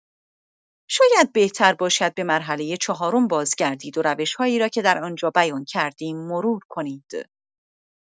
شاید بهتر باشد به مرحله چهارم بازگردید و روش‌هایی را که در آنجا بیان کردیم مرور کنید.